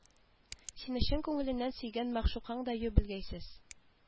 Сине чын күңеленнән сөйгән мәгъшукаң дәю белгәйсез